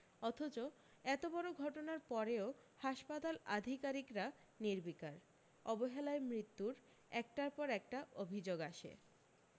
অথচ এত বড় ঘটনার পরেও হাসপাতাল আধিকারিকরা নির্বিকার অবহেলায় মৃত্যুর একটার পর একটা অভি্যোগ আসে